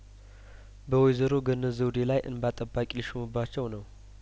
በወይዘሮ ገነት ዘውዴ ላይ እንባ ጠባቂ ሊሾምባቸው ነው